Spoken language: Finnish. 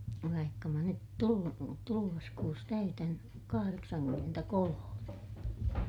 vaikka minä nyt - tulevassa kuussa täytän kahdeksankymmentäkolme